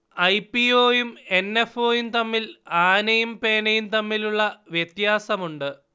I. P. O യും N. F. O യും തമ്മിൽ ആനയും പേനയും തമ്മിലുള്ള വ്യത്യാസമുണ്ട്